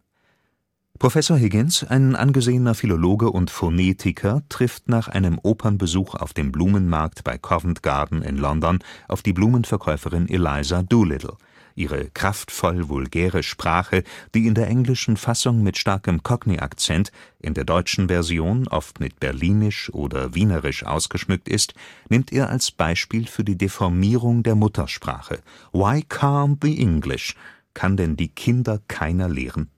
Professor Higgins, ein angesehener Philologe und Phonetiker, trifft nach einem Opernbesuch auf dem Blumenmarkt bei Covent Garden in London auf die Blumenverkäuferin Eliza Doolittle. Ihre kraftvoll-vulgäre Sprache, die in der englischen Fassung mit starkem Cockney-Akzent, in der deutschen Version oft mit Berlinerisch oder Wienerisch ausgeschmückt ist, nimmt er als Beispiel für die Deformierung der Muttersprache (Why Can’ t the English? / Kann denn die Kinder keiner lehren